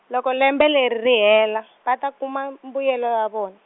loko lembe ri hela, va ta kuma mbuyelo wa vona.